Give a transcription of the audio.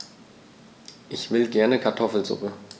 Ich will gerne Kartoffelsuppe.